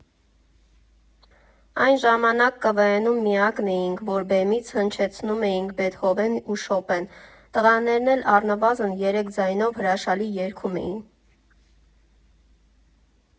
«Այն ժամանակ ԿՎՆ֊ում միակն էինք, որ բեմից հնչեցնում էինք Բեթհովեն ու Շոպեն, տղաներն էլ առնվազն երեք ձայնով հրաշալի երգում էին։